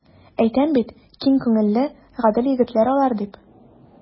Әйтәм бит, киң күңелле, гадел егетләр алар, дип.